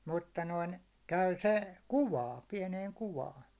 mutta noin käy se kuvaan pieneen kuvaan